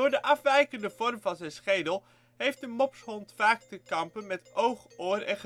de afwijkende vorm van zijn schedel heeft de mopshond vaak te kampen met oog -, oor